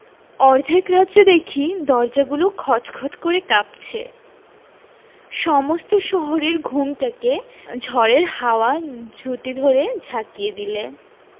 অর্ধেক রাত্রে দেখি দরজাগুলো খটখট শব্দে কাঁপছে সমস্ত শহরের ঘুমটাকে ঝড়ের হাওয়া ঝুঁটি ধরে ঝাঁকিয়ে দিলে